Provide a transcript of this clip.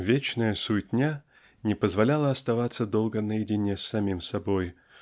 Вечная суетня не позволяла оставаться долго наедине с самим собой